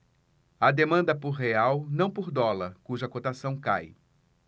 há demanda por real não por dólar cuja cotação cai